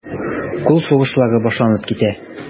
Кул сугышлары башланып китә.